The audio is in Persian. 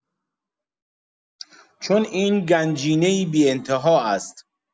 چون این گنجینه‌ای بی‌انتها است.